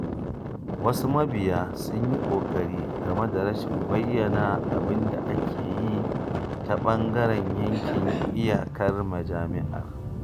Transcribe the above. Wasu mabiya sun yi ƙorafi game da rashin bayyana abin da aka yi ta ɓangaren yankin iyakar majami’ar.